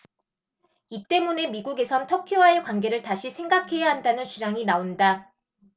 이 때문에 미국에선 터키와의 관계를 다시 생각해야 한다는 주장이 나온다